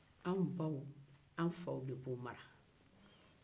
anw baw anw faw de b'u mara